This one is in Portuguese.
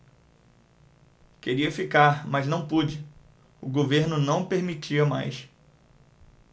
queria ficar mas não pude o governo não permitia mais